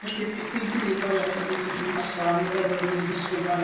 Felly di- dim byd dylia fod yn gweithiwr cymdeithasol a'n myfyrwyr ni ddysgu amdano fo